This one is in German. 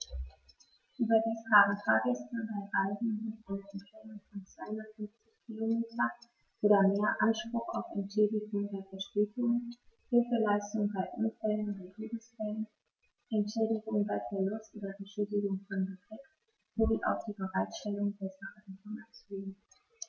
Überdies haben Fahrgäste bei Reisen mit einer Entfernung von 250 km oder mehr Anspruch auf Entschädigung bei Verspätungen, Hilfeleistung bei Unfällen oder Todesfällen, Entschädigung bei Verlust oder Beschädigung von Gepäck, sowie auf die Bereitstellung besserer Informationen.